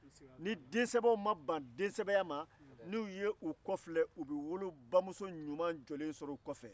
ni densɛbɛw ma ban densɛbɛya ma n'u y'u kɔfile u b'u woloba jɔlen sɔrɔ u kɔfɛ